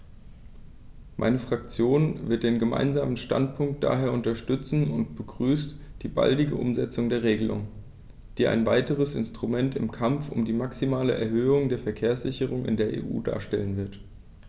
Meine Fraktion wird den Gemeinsamen Standpunkt daher unterstützen und begrüßt die baldige Umsetzung der Regelung, die ein weiteres Instrument im Kampf um die maximale Erhöhung der Verkehrssicherheit in der EU darstellen wird.